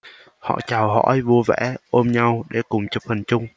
họ chào hỏi vui vẻ ôm nhau để cùng chụp hình chung